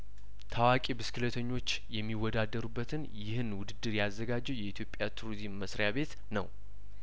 ታዋቂ ብስክሌ ተኞች የሚወዳደሩበትን ይህን ውድድር ያዘጋጀው የኢትዮጵያ ቱሪዝም መስሪያቤት ነው